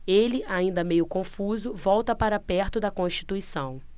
ele ainda meio confuso volta para perto de constituição